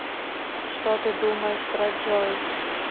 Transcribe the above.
что ты думаешь про джой